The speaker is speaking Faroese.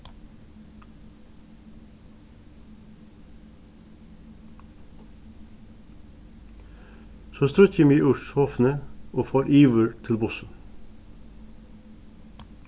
so stríddi eg meg úr sofuni og fór yvir til bussin